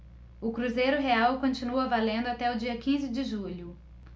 o cruzeiro real continua valendo até o dia quinze de julho